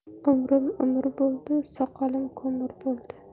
umrim umr bo'ldi soqolim ko'mir bo'ldi